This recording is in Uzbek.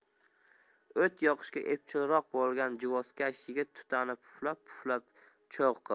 o't yoqishga epchilroq bo'lgan juvozkash yigit tutani puflab puflab cho'g' qildi